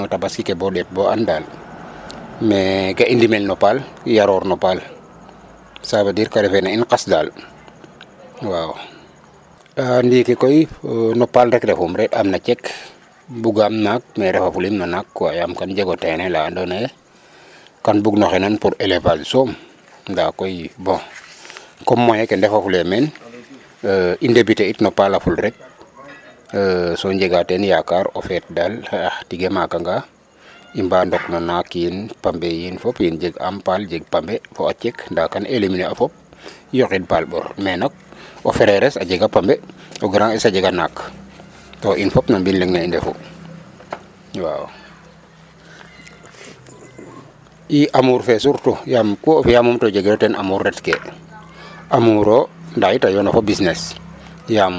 Yaam kaam jeg o terrain la andoona ye kan bug no xendan pour élevage soom ndaa koy bon comme moyen ke ndefafulee men i début it no paal aful rek so njegaa teen yakaar o feet daal xaƴa tige maakangaa i mba ndok no naakin pambe yiin fopin jeg am paal jeg fambe fo a cek ndaa kan éliminer fop yoqiɗ paal ɓor .Mais nak o frére es a jega pambe o grand es a jega naak to in fop no mbind leŋ ne i ndefu waaw i amour fe surtout .Yaam ku o fi'aa moom to jegiro teen amour ret ke amour o ndaa yitam a yoona fo bisness.